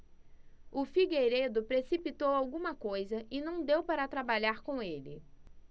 o figueiredo precipitou alguma coisa e não deu para trabalhar com ele